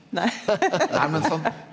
nei .